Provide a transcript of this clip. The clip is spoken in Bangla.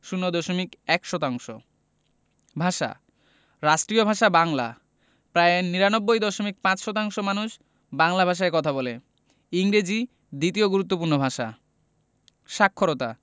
০দশমিক ১ শতাংশ ভাষাঃ রাষ্ট্রীয় ভাষা বাংলা প্রায় ৯৯দশমিক ৫শতাংশ মানুষ বাংলা ভাষায় কথা বলে ইংরেজি দ্বিতীয় গুরুত্বপূর্ণ ভাষা সাক্ষরতাঃ